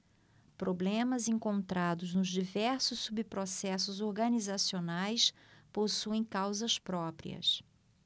problemas encontrados nos diversos subprocessos organizacionais possuem causas próprias